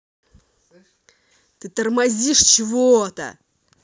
ты тормозишь чего то